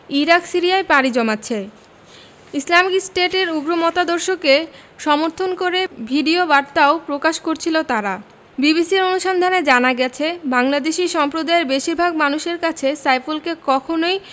Iraq সিরিয়ায় পাড়ি জমাচ্ছে ইসলামিক স্টেটের উগ্র মতাদর্শকে সমর্থন করে ভিডিওবার্তাও প্রকাশ করছিল তারা বিবিসির অনুসন্ধানে জানা গেছে বাংলাদেশি সম্প্রদায়ের বেশির ভাগ মানুষের কাছে সাইফুলকে কখনোই